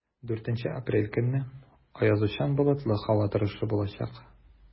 4 апрель көнне аязучан болытлы һава торышы булачак.